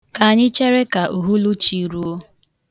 Ka anyị chere ka uhuluchi ruo.